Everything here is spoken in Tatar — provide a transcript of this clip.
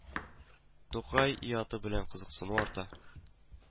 Тукай и аты белән кызыксыну арта